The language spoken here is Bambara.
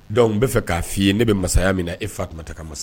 Dɔnku n b'a fɛ k'a fɔ'i ye ne bɛ masaya min na e fa tun tɛ ka masa